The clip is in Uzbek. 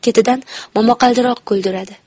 ketidan momaqaldiroq gulduradi